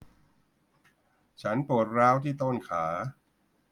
ฉันปวดร้าวที่ต้นขา